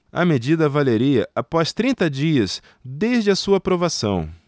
a medida valeria após trinta dias desde a sua aprovação